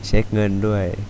เช็คเงินด้วย